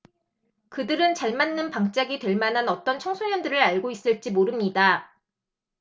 그들은 잘 맞는 방짝이 될 만한 어떤 청소년들을 알고 있을지 모릅니다